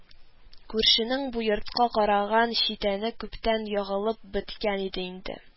Күршенең бу йортка караган читәне күптән ягылып беткән иде инде